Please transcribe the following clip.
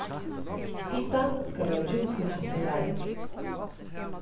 hetta skal vera djúphugsandi læring